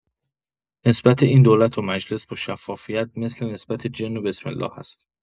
نسبت این دولت و مجلس با شفافیت مثل، نسبت جن و بسم‌الله است.